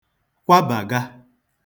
kwabàga